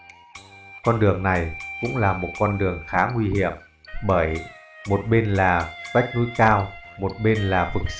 con đường này cũng là một con đường khá nguy hiểm bởi một bên là vách núi cao một bên là vực sâu